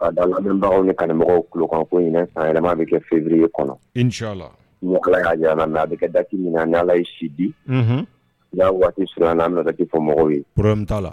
abagaw ni kanumɔgɔkanfo yɛrɛma bɛ kɛ febere kɔnɔ ka bɛ kɛ daki ɲiniyi sidi'a waati siran n'a nana fɔ mɔgɔw ye